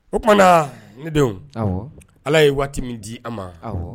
O tumaumana na ne denw ala ye waati min di a ma